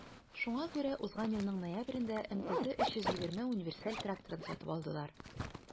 Шуңа күрә узган елның ноябрендә МТЗ 320 универсаль тракторын сатып алдылар.